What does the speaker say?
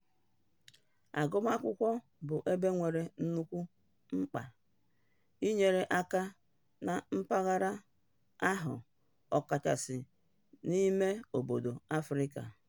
Agụmụakwụkwọ bụ ebe nwere nnukwu mkpa ịnyere aka na mpaghara ahụ, ọkachasị n'ịme obodo Afrịka.